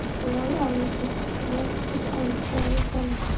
moy aynisa tuz solar tuz aynisa ne solar